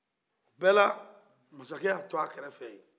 o bɛ la masakɛ ye a to a kɛrɛfɛ ye